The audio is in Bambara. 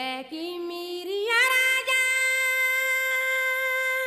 bɛɛ k'i miiri yɔrɔ jan